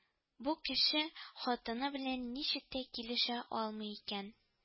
Бу кеше хатыны белән ничек тә килешә алмый икән